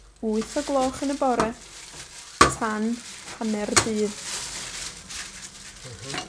wyth o gloch yn y bore tan hanner dydd.